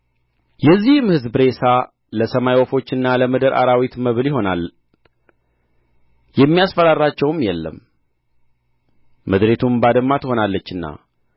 የዚህም ሕዝብ ሬሳ ለሰማይ ወፎችና ለምድር አራዊት መብል ይሆናል የሚያስፈራራቸውም የለም ምድሪቱም ባድማ ትሆናለችና